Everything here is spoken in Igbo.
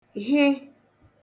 hị